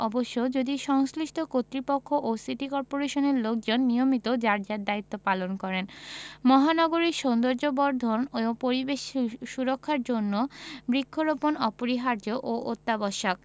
অবশ্য যদি সংশ্লিষ্ট কর্তৃপক্ষ ও সিটি কর্পোরেশনের লোকজন নিয়মিত যার যার দায়িত্ব পালন করেন মহানগরীর সৌন্দর্যবর্ধন ও পরিবেশ সুরক্ষার জন্য বৃক্ষরোপণ অপরিহার্য ও অত্যাবশ্যক